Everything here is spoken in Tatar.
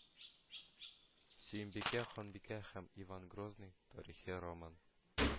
Сөембикә ханбикә һәм Иван Грозный: тарихи роман